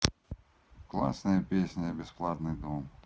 классная песня и бесплатный дом